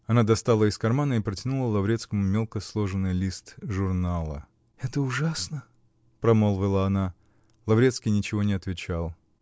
Она достала из кармана и протянула Лаврецкому мелко сложенный лист журнала. -- Это ужасно! -- промолвила она. Лаврецкий ничего не отвечал.